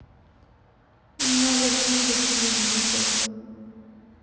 у меня заглючил телевизор